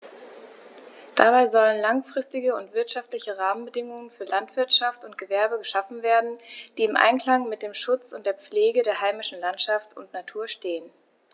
Dabei sollen langfristige und wirtschaftliche Rahmenbedingungen für Landwirtschaft und Gewerbe geschaffen werden, die im Einklang mit dem Schutz und der Pflege der heimischen Landschaft und Natur stehen.